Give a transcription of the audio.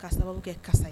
K'a sababu kɛ kasa ye!